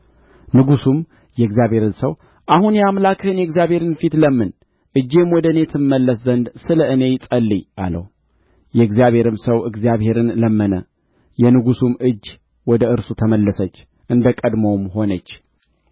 ንጉሡም የእግዚአብሔርን ሰው አሁን የአምላክህን የእግዚአብሔርን ፊት ለምን እጄም ወደ እኔ ትመለስ ዘንድ ስለ እኔ ጸልይ አለው የእግዚአብሔርም ሰው እግዚአብሔርን ለመነ የንጉሡም እጅ ወደ እርሱ ተመለሰች እንደ ቀድሞም ሆነች